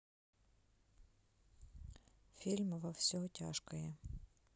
фильм во все тяжкое